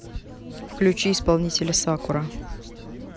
включи исполнителя сакура